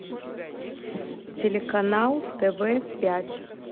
телеканал тв пять